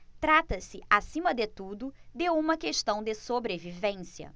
trata-se acima de tudo de uma questão de sobrevivência